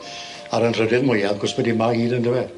A'r anrhydedd mwya wrth gwrs bod 'i 'ma o 'yd on'd yfe?